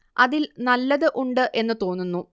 അതിൽ നല്ലത് ഉണ്ട് എന്ന് തോന്നുന്നു